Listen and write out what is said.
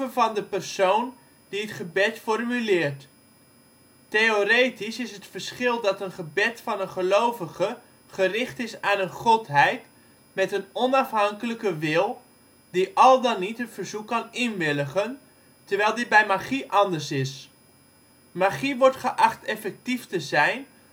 van de persoon die het gebed formuleert. Theoretisch is het verschil dat een gebed van een gelovige gericht is aan een godheid met een onafhankelijke wil (die al dan niet het verzoek kan inwilligen), terwijl dit bij magie anders is. Magie wordt geacht effectief te zijn